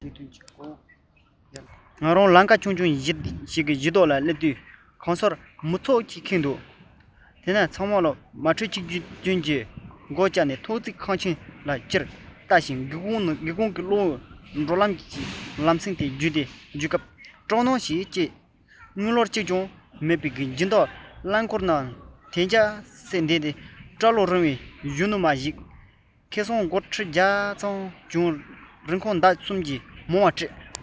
ང རང སྲང ལམ གྱི བཞི མདོ ཞིག ན སླེབས གང སར མི ཚོགས ཀྱིས ཁེངས མི རྣམས མ གྲོས གཅིག མཐུན གྱིས མགོ བོ ཡར ལ བཀྱགས ཐོག བརྩེགས ཁང ཆེན ལ ཅེར བཞིན འདུག སྒེའུ ཁུང གི གློག འོད འགྲོ ལམ ཟང ཟིམ དེ རྒྱུད སྐབས སྐྲག སྣང ཞིག བསྐྱེད དངུལ ལོར གཅིག ཀྱང མེད པའི སྦྱིན བདག རླངས འཁོར རྣམས དལ འཇགས སེ བསྡད སྐྲ ལོ རིང བའི གཞོན ནུ མ ཞིག ཁེ བཟང སྒོར ཁྲི བརྒྱ ཙམ བྱུང རིན གོང ལྡབ གསུམ གྱིས མང བར སྤྲོད